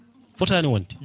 fotani wonde